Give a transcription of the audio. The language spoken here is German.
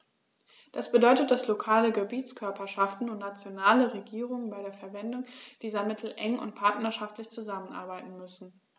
Das bedeutet, dass lokale Gebietskörperschaften und nationale Regierungen bei der Verwendung dieser Mittel eng und partnerschaftlich zusammenarbeiten müssen.